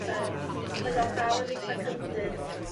yym mae o'n dal yn eitha cyndyn